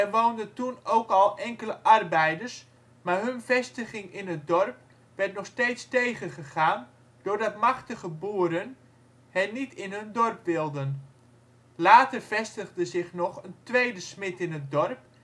woonden toen ook al enkele arbeiders, maar hun vestiging in het dorp werd nog steeds tegengegaan doordat machtige boeren hen niet in hun dorp wilden. Later vestigde zich nog een tweede smid in het dorp